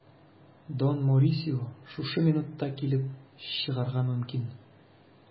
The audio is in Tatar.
Дон Морисио шушы минутта килеп чыгарга мөмкин.